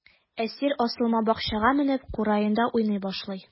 Әсир асылма бакчага менеп, кураенда уйный башлый.